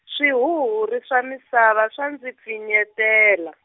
Swihuhuri swa misava swa ndzi pfinyetela.